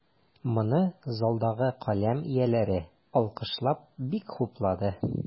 Моны залдагы каләм ияләре, алкышлап, бик хуплады.